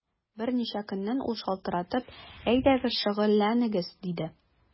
Берничә көннән ул шалтыратып: “Әйдәгез, шөгыльләнегез”, диде.